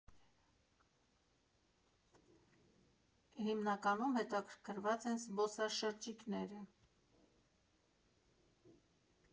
Հիմնականում հետաքրքրված են զբոսաշրջիկները։